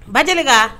Ba deli